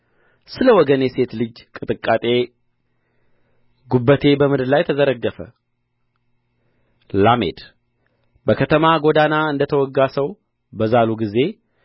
ስለ ወገኔ ሴት ልጅ ቅጥቃጤ ጉበቴ በምድር ላይ ተዘረገፈ ላሜድ በከተማ ጐዳና እንደ ተወጋ ሰው በዛሉ ጊዜ